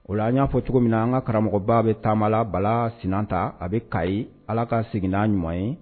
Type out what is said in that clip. O la an n y'a fɔ cogo min na an ka karamɔgɔba bɛ taama la bala sin ta a bɛ ka ɲi ala ka segin' ɲuman ye